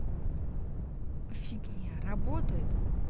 фигня работает